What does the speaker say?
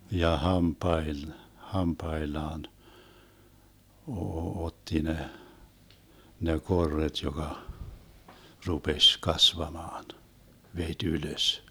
ja - hampaillaan - otti ne ne korret joka rupesi kasvamaan veti ylös